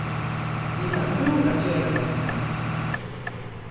vit hava úr at gera beint nú